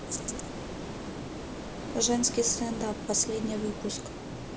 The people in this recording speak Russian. женский стендап последний выпуск